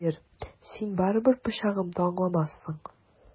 Хәер, син барыбер пычагым да аңламассың!